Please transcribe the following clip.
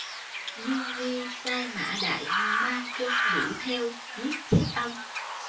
dương nghi sai mã đại mang quân đuổi theo giết chết ông